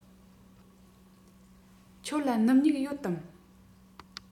ཁྱོད ལ སྣུམ སྨྱུག ཡོད དམ